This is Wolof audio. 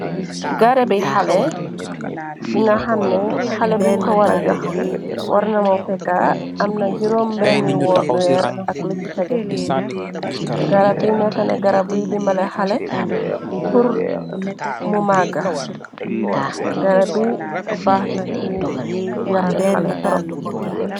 Garabi xale bi nga xamne xale biñ ko wara jox warna mo feka amna jiróom benni weer ak lu ci tege. Garab bi nekkana garab buy dimbale xale pur mu màgga. Garab bi baaxna ci yarami xale torop